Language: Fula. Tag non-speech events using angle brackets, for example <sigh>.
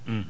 <hesitation> <hesitation>